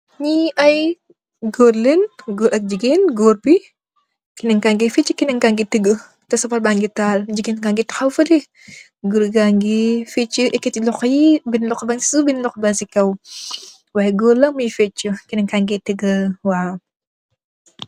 Nyee aye goor len goor ak jegain, goor be kenen kage fecha kenen kage teega teh safari bage taal, jegain kage tahaw felleh goor gage fecha ekete lohou yee bena lohou bagse suff bena lohou bagse kaw y goor la muy feche kenen kage teega waw.